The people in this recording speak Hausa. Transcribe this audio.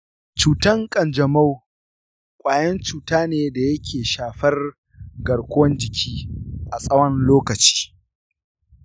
cutan ƙanjamau ƙwayan cuta ne da yake shafar garkuwan jiki a tsawon lokaci.